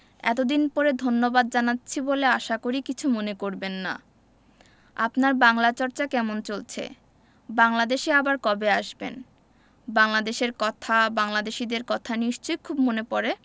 এতদিন পরে ধন্যবাদ জানাচ্ছি বলে আশা করি কিছু মনে করবেন না আপনার বাংলা চর্চা কেমন চলছে বাংলাদেশে আবার কবে আসবেন বাংলাদেশের কথা বাংলাদেশীদের কথা নিশ্চয় খুব মনে পরে